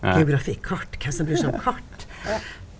geografi, kart, kven som bryr seg om kart?